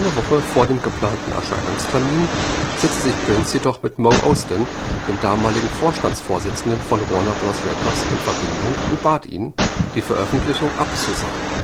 Woche vor dem geplanten Erscheinungstermin setzte sich Prince jedoch mit Mo Ostin, dem damaligen Vorstandsvorsitzenden von Warner Bros. Records, in Verbindung und bat ihn, die Veröffentlichung abzusagen